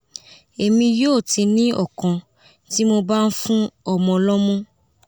Emi yoo ti ni ọkan ti mo ba n fun ọmọ lọmu.